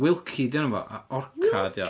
Wilky 'di enw fo, a orca ydy o.